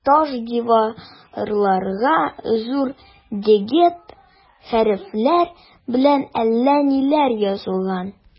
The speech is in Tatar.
Таш диварларга зур дегет хәрефләр белән әллә ниләр язылган.